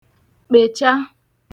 kpècha